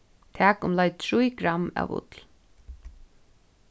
tak umleið trý gramm av ull